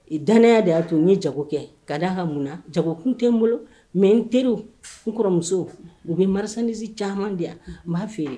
Danya de y'a u ye jago kɛ ka di ka mun na jago kun tɛ n bolo mɛ n teri kɔrɔmuso u bɛ marisi caman de yan n b'a f yen